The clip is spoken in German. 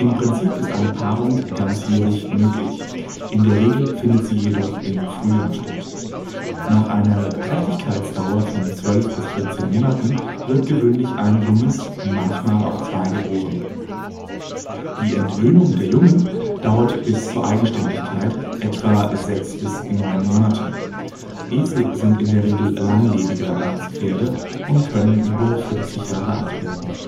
Prinzip ist eine Paarung ganzjährig möglich, in der Regel findet sie jedoch im Frühjahr statt. Nach einer Trächtigkeitsdauer von 12 bis 14 Monaten wird gewöhnlich ein Junges, manchmal auch zwei geboren. Die Entwöhnung der Jungen dauert bis zur Eigenständigkeit etwa 6 bis 9 Monate. Esel sind in der Regel langlebiger als Pferde und können über 40 Jahre alt werden